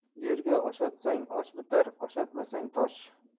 yerga oshatsang osh bitar oshatmasang tosh